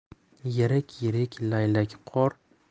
yirik yirik laylakqor